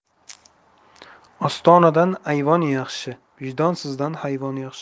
ostonadan ayvon yaxshi vijdonsizdan hayvon yaxshi